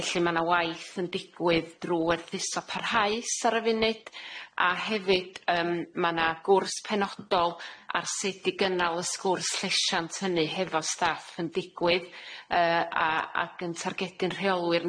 felly ma' na waith yn digwydd drw werthuso parhaus ar y funud a hefyd yym ma' na gwrs penodol ar sut i gynnal y sgwrs llesiant hynny hefo staff yn digwydd yy a ag yn targedyn rheolwyr